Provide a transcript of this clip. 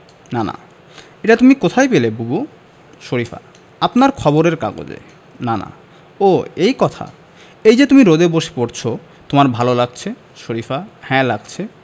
নানা এটা তুমি কোথায় পেলে বুবু শরিফা আপনার খবরের কাগজে নানা ও এই কথা এই যে তুমি রোদে বসে পড়ছ তোমার ভালো লাগছে শরিফা হ্যাঁ লাগছে